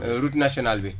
route nationale bi